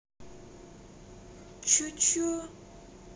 че че